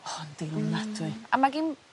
O yndi ofnadwy. A ma' gin